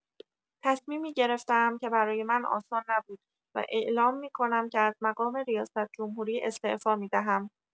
تصمیمی گرفته‌ام که برای من آسان نبود و اعلام می‌کنم که از مقام ریاست‌جمهوری استعفا می‌دهم.